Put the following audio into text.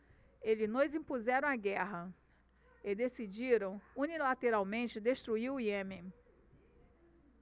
eles nos impuseram a guerra e decidiram unilateralmente destruir o iêmen